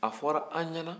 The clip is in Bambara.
a fɔra an ɲɛna